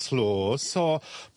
tlos, o